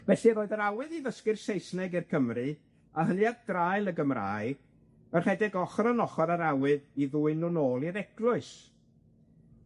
Felly roedd yr awydd i ddysgu'r Saesneg i'r Cymry a hynny ar draul y Gymraeg yn rhedeg ochor yn ochor a'r awydd i ddwyn nw nôl i'r Eglwys.